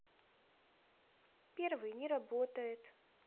первый не работает